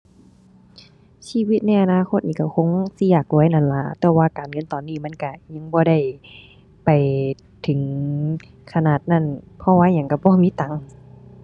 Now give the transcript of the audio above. ชีวิตในอนาคตนี่ก็คงสิอยากรวยนั่นล่ะ แต่ว่าการเงินตอนนี้มันก็ยังบ่ได้ ไปถึงขนาดนั้น เพราะว่าอิหยังก็บ่มีตัง